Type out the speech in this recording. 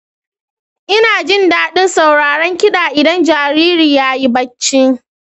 ina jin daɗin sauraron kiɗa idan jariri ya yi barci.